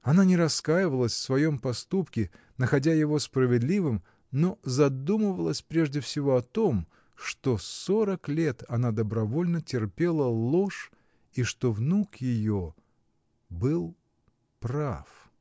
Она не раскаивалась в своем поступке, находя его справедливым, но задумывалась прежде всего о том, что сорок лет она добровольно терпела ложь и что внук ее. был. прав.